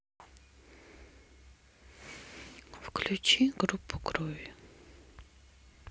включи группу крови